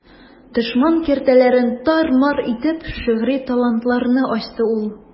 Дошман киртәләрен тар-мар итеп, шигъри талантларны ачты ул.